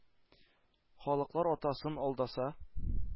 “халыклар атасы”н алдаса